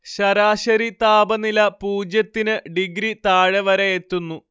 ശരാശരി താപനില പൂജ്യത്തിന് ഡിഗ്രി താഴെ വരെയെത്തുന്നു